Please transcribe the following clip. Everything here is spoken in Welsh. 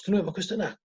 os 'di nw efo cwestyna